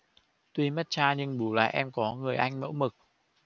tuy mất cha nhưng bù lại em có người anh mẫu mực